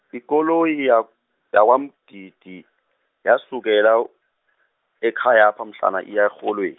ikoloyi ya yakwaMgidi, yasukela, ekhayapha mhlana iya erholwe-.